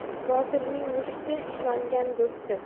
botirning mushti ishongan do'sti